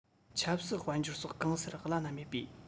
ཆབ སྲིད དཔལ འབྱོར སོགས གང སར བླ ན མེད པའི